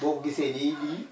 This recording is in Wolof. boo ko gisee nii lii